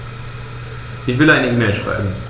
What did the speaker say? Ich will eine E-Mail schreiben.